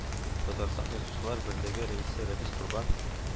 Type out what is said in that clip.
Татарстан Язучылар берлеге рәисе Рафис Корбан